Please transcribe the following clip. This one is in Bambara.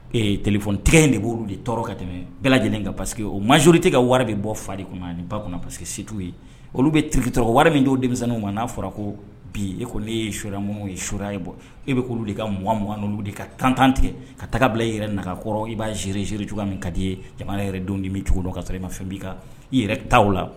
Ee tfɔ tɛgɛ in de b'olu de tɔɔrɔ ka tɛmɛ bɛɛ lajɛlen ka paseke o ma zori tɛ ka wara bɛ bɔ fa de kɔnɔ ba kɔnɔ parce que setu ye olu bɛ tiki dɔrɔn wari min dɔw denmisɛnninnin ma n'a fɔra ko bi e ko ne ye so minnu ye so ye bɔ e bɛ k oluolu de kaugan ka kantan tigɛ ka taga bila i yɛrɛ kɔrɔ i b'a zereere cogoya min ka di ye jamana yɛrɛ don di min cogo ka i ma fɛn' kan i yɛrɛ t' o la